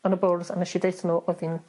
yn y bwrdd a nesh i deutho n'w bo' fi'n